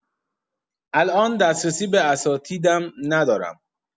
الان دسترسی به اساتیدم ندارم.